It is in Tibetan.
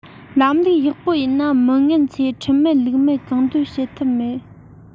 ལམ ལུགས ཡག པོ ཡིན ན མི ངན ཚོས ཁྲིམས མེད ལུགས མེད གང འདོད བྱེད ཐབས མེད